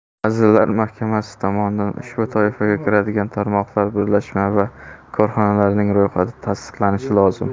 vazirlar mahkamasi tomonidan ushbu toifaga kiradigan tarmoqlar birlashma va korxonalarning ro'yxati tasdiqlanishi lozim